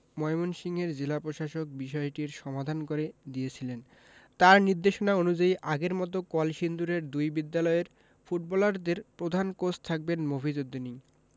ময়মনসিংহের জেলা প্রশাসক বিষয়টির সমাধান করে দিয়েছিলেন তাঁর নির্দেশনা অনুযায়ী আগের মতো কলসিন্দুরের দুই বিদ্যালয়ের ফুটবলারদের প্রধান কোচ থাকবেন মফিজ উদ্দিনই